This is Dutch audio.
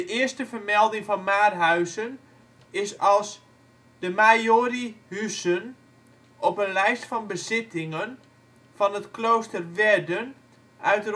eerste vermelding van Maarhuizen is als ' de maiori Husun ' op een lijst van bezittingen van het Klooster Werden uit